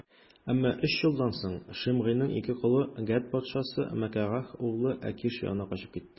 Әмма өч елдан соң Шимгыйның ике колы Гәт патшасы, Мәгакәһ углы Әкиш янына качып китте.